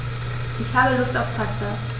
Ich habe Lust auf Pasta.